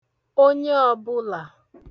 onye òbụlà